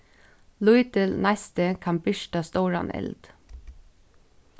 lítil neisti kann birta stóran eld